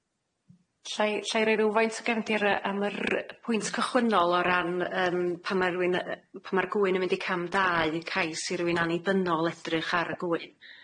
Ll- 'lla'i roi rywfaint o gefndir y- am yr pwynt cychwynnol o ran yym pan ma' rywun y- pan ma'r gwyn yn mynd i cam dau y cais i rywun annibynnol edrych ar gwyn.